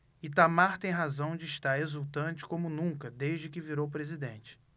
itamar tem razão de estar exultante como nunca desde que virou presidente